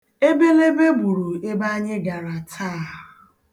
Ebelebe gburu ebe anyị gara taa.